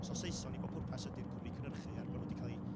so Saeson i bob pwrpas ydy'r cwmni cynhyrchu, er bod nhw di cael eu,